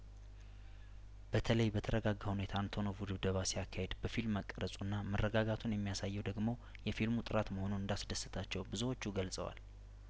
በተለይ በተረጋጋ ሁኔታ አንቶኖቩ ድብደባ ሲያካሂድ በፊልም መቀረጹና መረጋጋቱን የሚያሳየው ደግሞ የፊልሙ ጥራት መሆኑን እንዳስ ደሰታቸው ብዙዎቹ ገልጸዋል